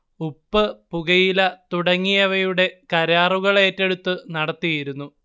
ഉപ്പ് പുകയില തുടങ്ങിയവയുടെ കരാറുകളേറ്റെടുത്തു നടത്തിയിരുന്നു